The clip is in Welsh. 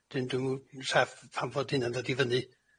Wedyn dw'm yn saff pam bod hynna'n ddod i fyny.